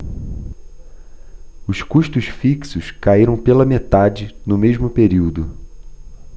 os custos fixos caíram pela metade no mesmo período